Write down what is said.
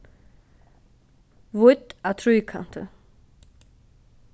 vídd á tríkanti